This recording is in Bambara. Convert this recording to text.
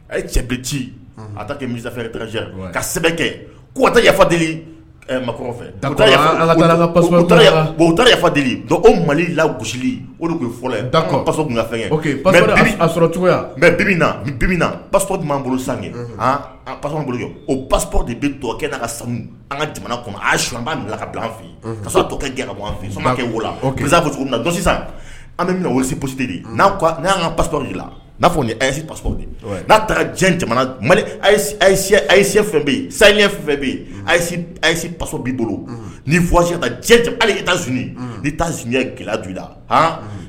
A ye cɛbe ci asa fɛ ka sɛbɛn kɛ yafa ma fɛ o mali la fɔlɔ mɛ'an san bolo o ba de bɛ sanu an ka jamana kɔnɔ aba min ka an fɛ ka tɔ ja fɛ' kɛ wolo la ki sisan an bɛsisite de' y' ka la'a fɔ ayise pasa n'a taara ayi fɛn bɛ yen sa fɛn bɛ ayi ayise pasa b'i bolo ni i taa z n' taa zɲɛ gɛlɛya la